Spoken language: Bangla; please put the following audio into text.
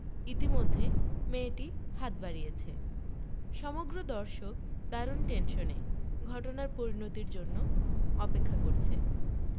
ইতিমধ্যে মেয়েটি হাত বাড়িয়েছে সমগ্র দর্শক দারুণ টেনশনে ঘটনার পরিণতির জন্যে অপেক্ষা করছে